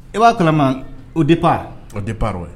I b'a kalama au départ, au départ ouais